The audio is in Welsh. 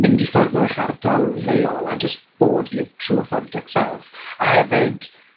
mynd i ffwrdd o eich ardal leol a jys bod you true authentic self. A hefyd